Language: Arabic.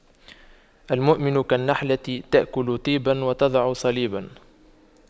المؤمن كالنحلة تأكل طيبا وتضع طيبا